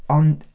Ond.